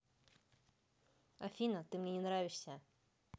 афина ты мне не нравишься